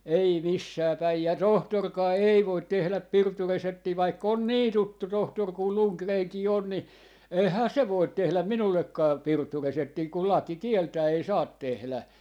ei missään päin ja tohtorikaan ei voi tehdä pirtureseptiä vaikka on niin tuttu tohtori kuin Lundgrenkin on niin eihän se voi tehdä minullekaan pirtureseptiä kun laki kieltää ei saa tehdä